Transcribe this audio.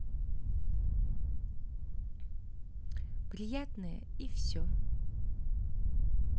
приятное и все